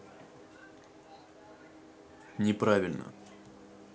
неправильно